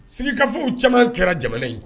Sigikafow caman kɛra jamana in kuwa